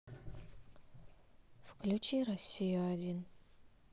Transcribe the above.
включи россию один